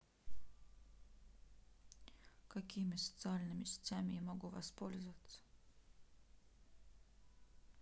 какими социальными сетями я могу воспользоваться